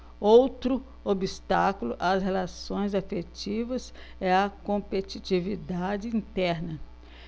outro obstáculo às relações afetivas é a competitividade interna